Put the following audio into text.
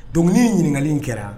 Dɔnkili in ɲininkaka kɛra